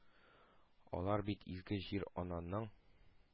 Алар бит изге җир-ананың